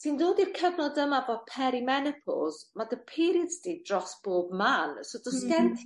Ti'n dod i'r cyfnod yma 'fo peri-menopos ma' dy periods di dros bob man so do's gen ti